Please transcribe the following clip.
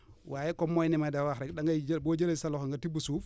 waaye comme mooy ni may de wax rek da ngay jël boo jëlee sa loxo nga tibb suuf